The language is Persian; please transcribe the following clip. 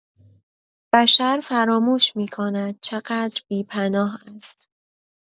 بشر فراموش می‌کند چقدر بی‌پناه است.